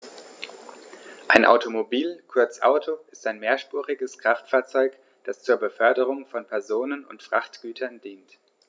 Ein Automobil, kurz Auto, ist ein mehrspuriges Kraftfahrzeug, das zur Beförderung von Personen und Frachtgütern dient.